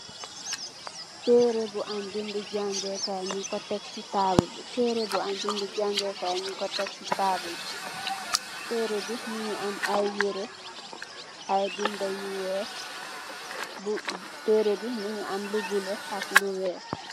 Taireh bu am binding jangee kaay, nyunko tek si table, taireh bi mungi aye yireh, aye binda yu weeh, taireh bi mungi am lu buleuh ak lu.